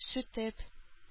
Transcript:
Сүтеп